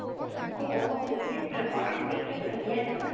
cô cũng không được phép rời khỏi nước mỹ trong thời gian thử thách